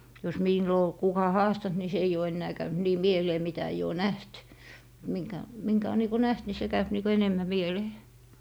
jos milloin oli kuka haastanut niin se ei ole enää käynyt niin mieleen mitä ei ole nähnyt minkä minkä on niin kuin nähnyt niin se käy niin kuin enemmän mieleen